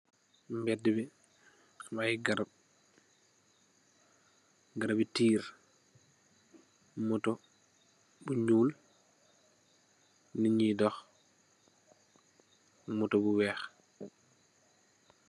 mbédë mi am na ay garab bi tiir,"motto",nit ñiy doox, motto bu weex